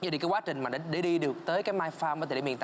dậy thì cái quá trình mà đến để đi được tới cái mai pham ở thời điểm